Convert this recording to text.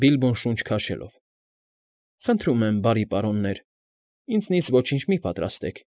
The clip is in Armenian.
Բիլբոն շունչ քաշելով։֊ Խնդրում եմ, բարի պարոններ, ինձնից ոչինչ մի՛ պատրաստեք։